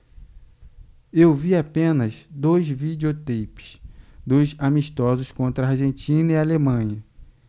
eu vi apenas dois videoteipes dos amistosos contra argentina e alemanha